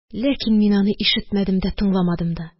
Ләкин мин аны ишетмәдем дә, тыңламадым да.